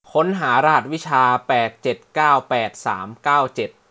ค้นหารหัสวิชาแปดเจ็ดเก้าแปดสามเก้าเจ็ด